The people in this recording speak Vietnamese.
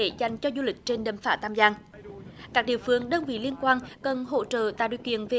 dành cho du lịch trên đầm phá tam giang các địa phương đơn vị liên quan cần hỗ trợ tạo điều kiện về